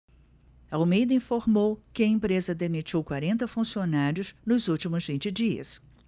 almeida informou que a empresa demitiu quarenta funcionários nos últimos vinte dias